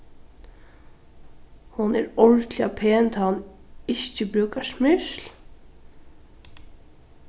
hon er ordiliga pen tá hon ikki brúkar smyrsl